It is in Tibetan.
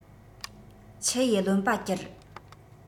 ཆུ ཡིས བློན པ གྱུར